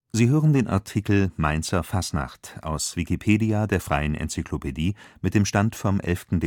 Sie hören den Artikel Mainzer Fastnacht, aus Wikipedia, der freien Enzyklopädie. Mit dem Stand vom Der